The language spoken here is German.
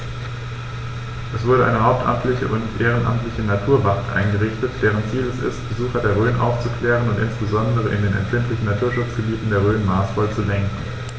Es wurde eine hauptamtliche und ehrenamtliche Naturwacht eingerichtet, deren Ziel es ist, Besucher der Rhön aufzuklären und insbesondere in den empfindlichen Naturschutzgebieten der Rhön maßvoll zu lenken.